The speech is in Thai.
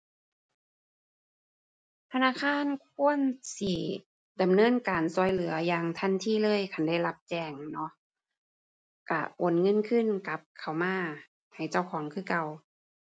ธนาคารควรสิดำเนินการช่วยเหลืออย่างทันทีเลย คันได้รับแจ้งแม่นบ่ ช่วยโอนเงินคืนกลับเข้ามาให้เจ้าของคือเก่า